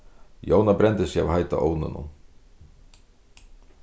jóna brendi seg av heita ovninum